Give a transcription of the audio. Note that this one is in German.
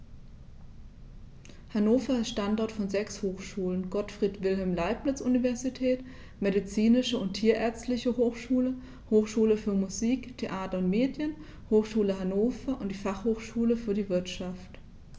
Hannover ist Standort von sechs Hochschulen: Gottfried Wilhelm Leibniz Universität, Medizinische und Tierärztliche Hochschule, Hochschule für Musik, Theater und Medien, Hochschule Hannover und die Fachhochschule für die Wirtschaft.